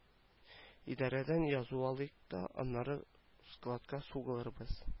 Идарәдән язу алыйк та аннары складка сугылырбыз